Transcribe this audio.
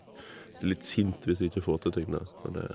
Blir litt sint hvis ikke jeg får til tingene, men det...